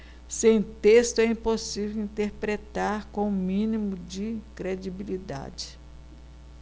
sem texto é impossível interpretar com o mínimo de credibilidade